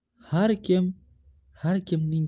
har kim har kimning